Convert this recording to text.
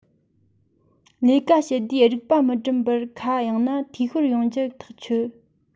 ལས ཀ བྱེད དུས རིག པ མི སྒྲིམ པར ཁ གཡེངས ན འཐུས ཤོར ཡོང རྒྱུར ཐག ཆོད